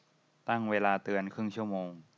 ตั้งเวลาเตือนครึ่งชั่วโมง